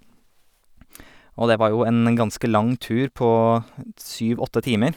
Og det var jo en ganske lang tur på t syv åtte timer.